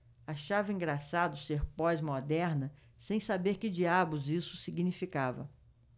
achava engraçado ser pós-moderna sem saber que diabos isso significava